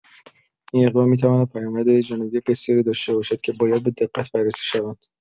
این اقدام می‌تواند پیامدهای جانبی بسیاری داشته باشد که باید به‌دقت بررسی شوند.